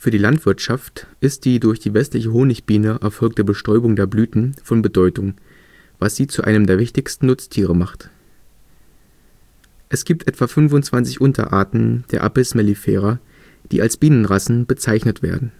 die Landwirtschaft ist die durch die Westliche Honigbiene erfolgte Bestäubung der Blüten von Bedeutung, was sie zu einem der wichtigsten Nutztiere macht. Es gibt etwa 25 Unterarten der Apis mellifera, die als Bienenrassen bezeichnet werden